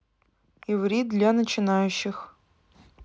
иврит для начинающих